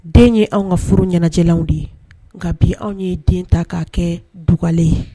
Den ye anw ka furu ɲɛnajɛjɛ de ye nka bi anw ye den ta' kɛ duglen ye